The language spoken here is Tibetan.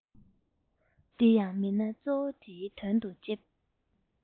དེ ཡང མི སྣ གཙོ བོ དེའི དོན དུ ལྕེབས